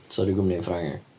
So ryw gwmni yn Ffrangeg?